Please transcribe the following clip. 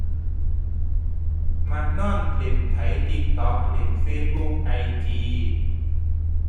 มักนอนเล่นไถ TikTok เล่น Facebook IG